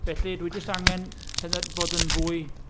Felly dwi jyst angen pender- bod yn fwy...